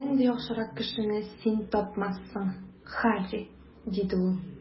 Миннән дә яхшырак кешене син тапмассың, Һарри, - диде ул.